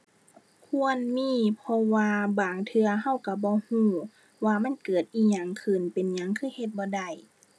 ควรมีเพราะว่าบางเทื่อเราเราบ่เราว่ามันเกิดอิหยังขึ้น เป็นหยังคือเฮ็ดบ่ได้